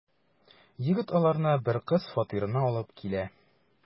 Егет аларны бер кыз фатирына алып килә.